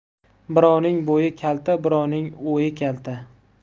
birovning bo'yi kalta birovning o'yi kalta